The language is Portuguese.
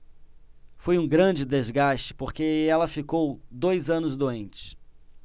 foi um grande desgaste porque ela ficou dois anos doente